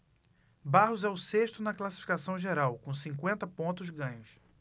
barros é o sexto na classificação geral com cinquenta pontos ganhos